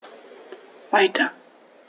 Weiter.